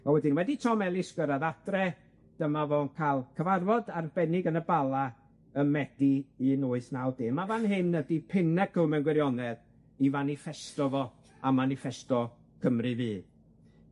A wedyn wedi Tom Ellis gyrradd adre dyma fo'n ca'l cyfarfod arbennig yn y Bala ym Medi un wyth naw dim a fan hyn ydi pinacl mewn gwirionedd 'i faniffesto fo a maniffesto Cymru Fydd.